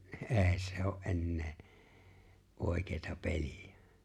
niin ei se ole enää oikeata peliä